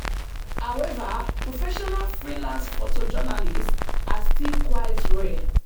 However, professional freelance photojournalists are still quite rare.